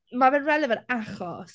Ma' fe'n relevant achos...